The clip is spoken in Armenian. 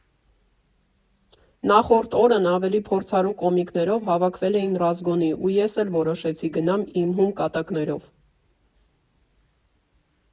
Նախորդ օրն ավելի փորձառու կոմիկներով հավաքվել էին «ռազգոնի» ու ես էլ որոշեցի գնամ իմ հում կատակներով։